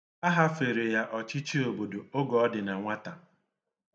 A hafere ya ọchịchị obodo oge ọ dị na nwata.